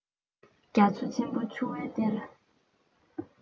རྒྱ མཚོ ཆེན པོ ཆུ བོའི གཏེར